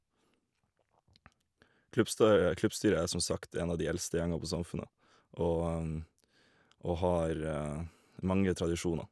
klubbstø Klubbstyret er som sagt en av de eldste gjengene på Samfundet, og og har mange tradisjoner.